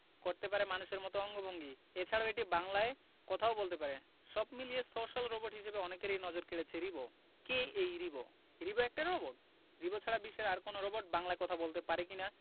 করতে পারে মানুষের মতো অঙ্গভঙ্গি এছাড়া এটি বাংলায় কথাও বলতে পারে সব মিলিয়ে সোশ্যাল রোবট হিসেবে অনেকেরই নজর কেড়েছে রিবো কে এই রিবো রিবো একটা রোবট রিবো ছাড়া বিশ্বের আর কোনো রোবট বাংলায় কথা বলতে পারে কি না